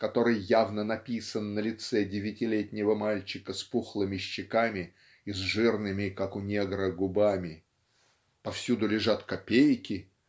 который явно написан на лице девятилетнего мальчика с пухлыми щеками и с жирными как у негра губами повсюду лежат копейки